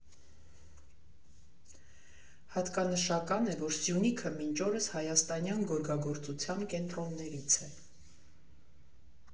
Հատկանշական է, որ Սյունիքը մինչ օրս հայաստանյան գորգագործության կենտրոններից է։